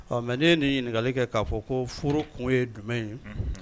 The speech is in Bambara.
Ɔ mɛ ne nin ɲininkakali kɛ k'a fɔ ko furu kun ye jumɛn in